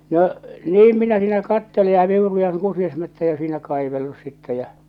no niin minä siinä katselen ja viuruan kusiaismättäitä siinä kaivellut sitten ja